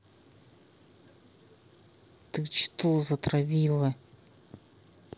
ты что затравила